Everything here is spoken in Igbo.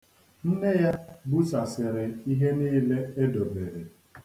Nne ya busasịrị ihe niile edobere.